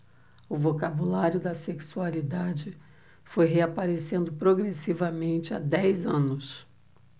o vocabulário da sexualidade foi reaparecendo progressivamente há dez anos